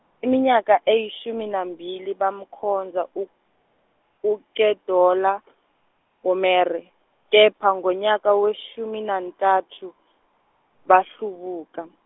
iminyaka eyishumi nambili bamkhonza u uGedorlawomere, kepha ngonyaka weshumi nantathu, bahlubuka.